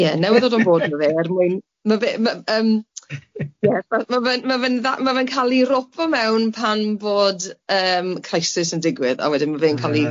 Ie newydd ddod on board ma' fe er mwyn ma' fe ma' yym ie ma' fe'n ma' fe'n dda- ma' fe'n cael ei ropo mewn pan bod yym crisis yn digwydd a wedyn ma' fe'n cael ei... Ia...